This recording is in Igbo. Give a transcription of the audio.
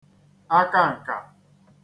akankà